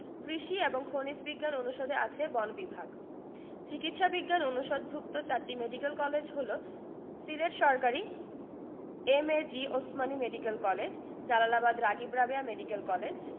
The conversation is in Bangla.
কৃষি এবং খনিজ বিজ্ঞান অনুষদে আছে বন বিভাগ চিকিৎসা বিজ্ঞান অনুষদভুক্ত চারটি মেডিকেল কলেজ হলো সিলেট সরকারি MAG Osmani medical college Jalalabad Ragib Rabeya medical college